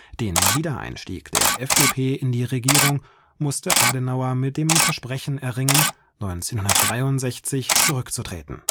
Den Wiedereinstieg der FDP in die Regierung musste Adenauer mit dem Versprechen erringen, 1963 zurückzutreten